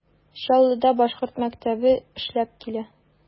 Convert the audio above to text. Чаллыда башкорт мәктәбе эшләп килә.